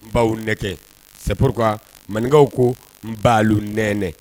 N baw nɛ sabup maninkaw ko n ba nɛnɛ